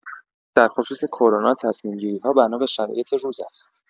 در خصوص کرونا تصمیم‌گیری‌ها بنا به شرایط روز است.